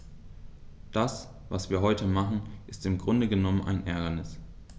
Das, was wir heute machen, ist im Grunde genommen ein Ärgernis.